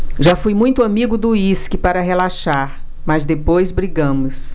já fui muito amigo do uísque para relaxar mas depois brigamos